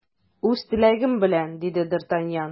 Үз теләгем белән! - диде д’Артаньян.